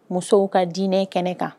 Musow ka diinɛ kɛnɛ kan